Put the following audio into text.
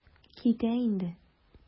Китә инде.